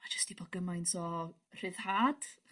ma' jys 'di bod gymaint o rhyddhad achos...